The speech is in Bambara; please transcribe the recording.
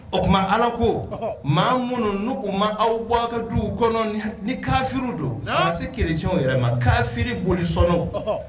O tuma Ala ko, anhan, maa minnu n'u ma aw bɔ a ka duw kɔnɔ ni kafiri don, namu, a ma se chrétiens yɛrɛ ma kafiri bolisɔnnaw, ɔhɔ